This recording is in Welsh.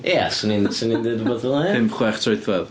Ia, 'swn i 'swn i'n dweud rhywbeth fel 'na. Ia?... pump, chwech troedfedd.